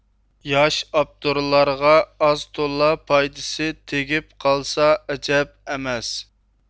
ياش ئاپتورلارغا ئاز تولا پايدىسى تېگىپ قالسا ئەجەب ئەمەس